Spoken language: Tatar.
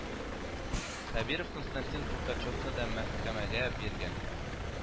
Хәбиров Константин Толкачевны да мәхкәмәгә биргән